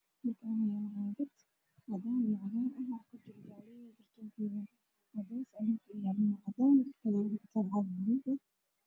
Meeshaan waxa yaalo sariir aad u weyn OO uu saaran yahay maro kalarkeedu tahay cagaar iyo bulug-xigeen